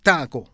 taa ko